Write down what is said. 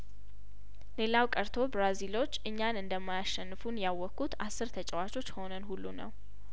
ሌላው ቀርቶ ብራዚሎች እኛን እንደማ ያሸንፉን ያወቅ ኩት አስር ተጫዋች ሆነን ሁሉ ነው